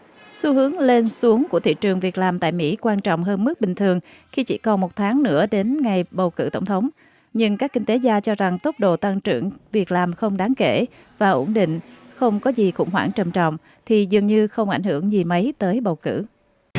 xu hướng lên xuống của thị trường việc làm tại mỹ quan trọng hơn mức bình thường khi chỉ còn một tháng nữa đến ngày bầu cử tổng thống nhưng các kinh tế gia cho rằng tốc độ tăng trưởng việc làm không đáng kể và ổn định không có gì khủng hoảng trầm trọng thì dường như không ảnh hưởng gì mấy tới bầu cử